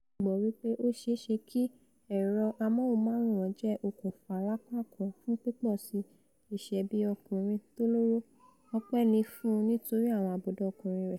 Kit gbàgbọ́ wí pé ó ṣeé ṣe kí ẹ̀rọ amóhùnmáwòrán jẹ́ okùnfà lápá kàn fún pípọ̀síi ìṣebí-ọkùnrin tólóró ọpẹ́ ni fún un nítorí àwọn àbùdá ọkùnrin rẹ̀.